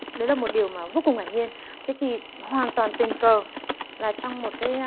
đấy là một điều mà vô cùng ngạc nhiên thế thì hoàn toàn tình cờ là trong một cái